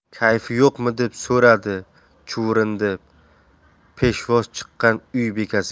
kayfi yo'qmi deb so'radi chuvrindi peshvoz chiqqan uy bekasiga